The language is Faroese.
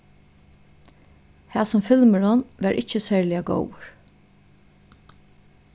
hasin filmurin var ikki serliga góður